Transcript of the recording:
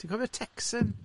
Ti'n cofio Texan?